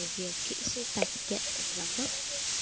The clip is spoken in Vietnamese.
việc kỹ sư tạch kiện tổng giám đốc